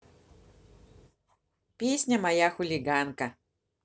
песня моя хулиганка